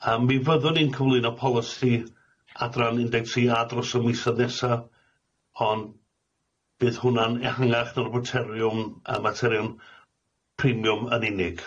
Yym mi fyddwn ni'n cyflwyno polisi adran un deg tri a dros y misodd nesa, ond bydd hwnna'n ehangach na'r materiwm yy materiwm premiwm yn unig.